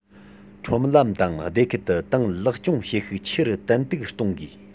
ཁྲོམ ལམ དང སྡེ ཁུལ དུ ཏང ལེགས སྐྱོང བྱེད ཤུགས ཆེ རུ ཏན ཏིག གཏོང དགོས